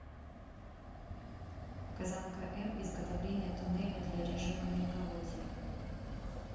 казанка м изготовления туннеля для режима мелководья